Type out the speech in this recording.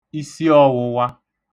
isiọ̄wụ̄wā